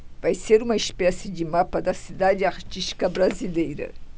vai ser uma espécie de mapa da cidade artística brasileira